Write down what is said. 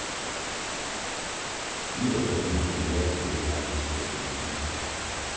не завидую я тебе алиска пиписка